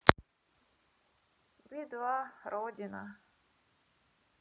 би два родина